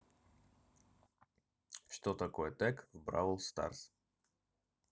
что такое тег в brawl stars